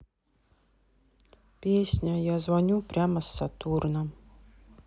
песня я звоню прямо с сатурна